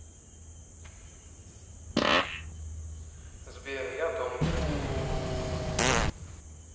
сбер я тонкий